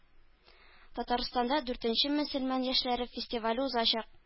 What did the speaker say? Татарстанда дүртенче мөселман яшьләре фестивале узачак